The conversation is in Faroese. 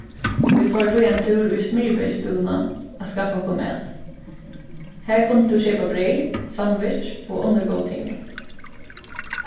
og vit fóru tí ein túr í smyrjibreyðsbúðina at skaffa okkum mat har kundi tú keypa breyð sandwich og onnur góð ting